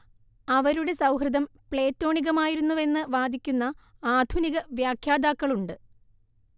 അവരുടെ സൗഹൃദം പ്ലേറ്റോണികമായിരുന്നുവെന്ന് വാദിക്കുന്ന ആധുനികവ്യാഖ്യാതാക്കളുണ്ട്